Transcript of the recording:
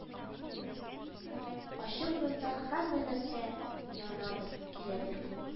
Ачык урында һәммә нәрсә янадыр, көядер күк